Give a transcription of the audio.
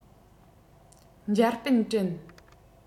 འཇར པན དྲན